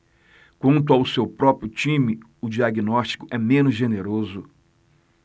quanto ao seu próprio time o diagnóstico é menos generoso